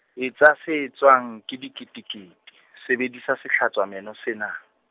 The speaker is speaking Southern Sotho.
etsa se etswang ke diketekete, sebedisa sehlatswameno sena.